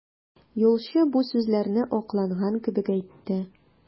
Юлчы бу сүзләрне акланган кебек әйтте.